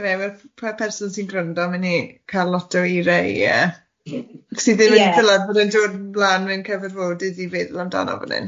Yw e wel p- pa person sy'n gwryndo myn' i cal lot o eirie i... Ie. ...sydd i ddim yn ddylad bod e'n dod lan myn' cyfarfodydd i feddwl amdano fan hyn.